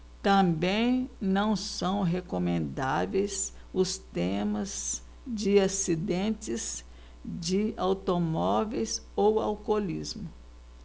também não são recomendáveis os temas de acidentes de automóveis ou alcoolismo